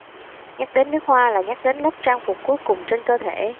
nhắc đến nước hoa là nhắc đến lớp trang phục cuối cùng trên cơ thể